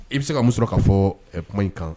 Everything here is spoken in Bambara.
I be se ka mun sɔrɔɔ k'a fɔɔ ɛ kuma in kan